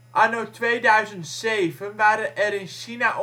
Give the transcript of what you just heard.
Anno 2007 waren er in China